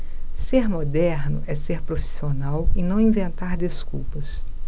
ser moderno é ser profissional e não inventar desculpas